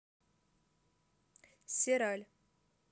сераль